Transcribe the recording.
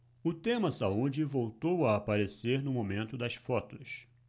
o tema saúde voltou a aparecer no momento das fotos